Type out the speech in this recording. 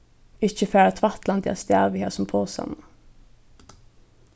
ikki fara tvætlandi avstað við hasum posanum